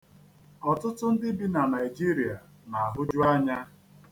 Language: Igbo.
Ọtụtụ ndị bi na Naịjirịa na-ahụju anya.